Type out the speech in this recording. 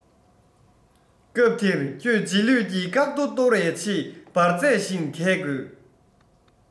སྐབས དེར ཁྱོད རྗེས ལུས ཀྱི བཀག རྡོ གཏོར བའི ཆེད འབར རྫས བཞིན འགད དགོས